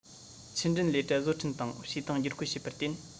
ཆུ འདྲེན ལས གྲྭ བཟོ སྐྲུན དང བྱེ ཐང བསྒྱུར བཀོད བྱེད པར བརྟེན